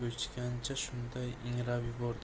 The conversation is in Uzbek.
o'chgancha shunday ingrab yubordi